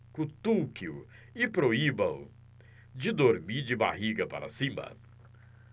cutuque-o e proíba-o de dormir de barriga para cima